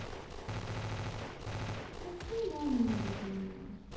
включи мамину любимую